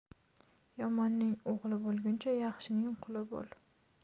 yomonning o'g'li bo'lguncha yaxshining quli bo'l